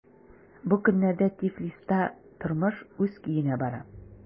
Бу көннәрдә Тифлиста тормыш үз көенә бара.